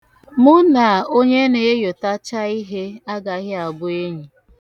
Mụ na onye na-ahụtacha ihe agaghị abụ enyi.